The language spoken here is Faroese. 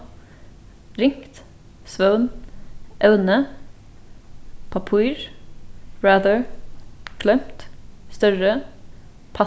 ringt svøvn evni pappír rather gloymt størri